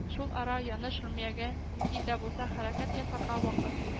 Шул ара, Яныш, Румиягә нинди дә булса хәрәкәт ясарга вакыт